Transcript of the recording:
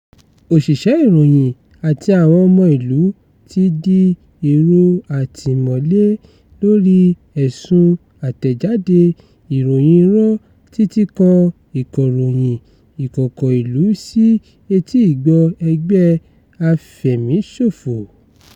Òṣìṣẹ́ ìròyìn àti àwọn ọmọ-ìlú ti di èrò àtìmọ́lé lórí ẹ̀sùn àtẹ̀jáde “ìròyìn irọ́” títí kan ìkóròyìn ìkòkọ̀ ìlú sí etí ìgbọ́ ẹgbẹ́ afẹ̀míṣòfò.